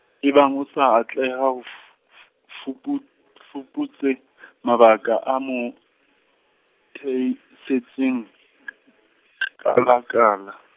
ebang o sa atleha a f- f- fupu-, fuputse , mabaka a mo teisitseng, k- k- kala kala.